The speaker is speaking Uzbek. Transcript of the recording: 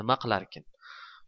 nima qilarkan